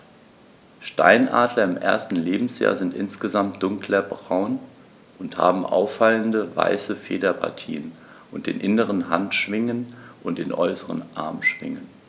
Steinadler im ersten Lebensjahr sind insgesamt dunkler braun und haben auffallende, weiße Federpartien auf den inneren Handschwingen und den äußeren Armschwingen.